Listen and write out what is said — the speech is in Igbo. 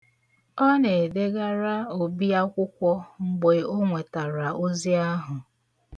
Ọ na-edegara Obi akwụkwọ mgbe o nwetara ozi ahụ.